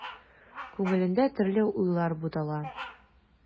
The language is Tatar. Күңелендә төрле уйлар бутала.